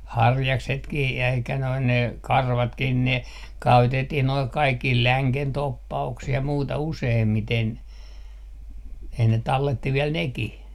harjaksetkin jäi eikä noin ne karvatkin ne käytettiin nuo kaikkiin längen toppauksiin ja muuta useimmiten ei ne talletti vielä nekin